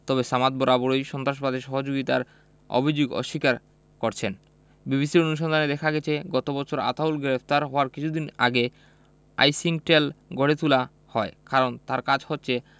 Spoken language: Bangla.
তবে সামাদ বারবারই সন্ত্রাসবাদে সহযোগিতার অভিযোগ অস্বীকার করছেন বিবিসির অনুসন্ধানে দেখা গেছে গত বছর আতাউল গ্রেপ্তার হওয়ার কিছুদিন আগে আইসিংকটেল গড়ে তোলা হয় কারণ তার কাজ হচ্ছে